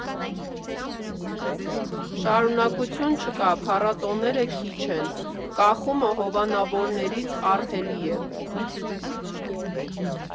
Շարունակականություն չկա, փառատոները քիչ են, կախումը հովանավորներից ահռելի է։